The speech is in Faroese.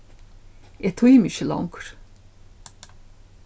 eg tími ikki longur